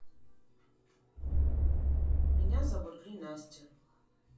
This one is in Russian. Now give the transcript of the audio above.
меня зовут ли настя